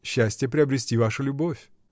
— Счастье приобрести вашу любовь.